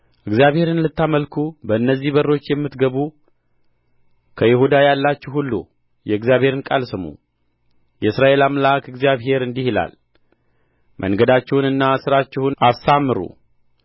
እግዚአብሔርን ልታመልኩ በእነዚህ በሮች የምትገቡ ከይሁዳ ያላችሁ ሁሉ የእግዚአብሔርን ቃል ስሙ የእስራኤል አምላክ እግዚአብሔር እንዲህ ይላል መንገዳችሁንና ሥራችሁን አሳምሩ